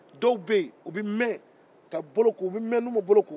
dɔw bɛ yen u bɛ mɛn ka boloko u bɛ mɛn n'u ma bolo ma ko